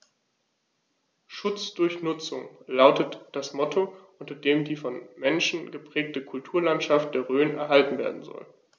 „Schutz durch Nutzung“ lautet das Motto, unter dem die vom Menschen geprägte Kulturlandschaft der Rhön erhalten werden soll.